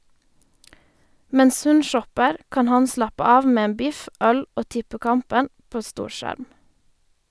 Mens hun shopper, kan han slappe av med en biff, øl og tippekampen på storskjerm.